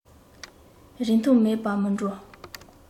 རིན ཐང མེད པ མིན འགྲོ